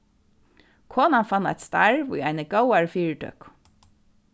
konan fann eitt starv í eini góðari fyritøku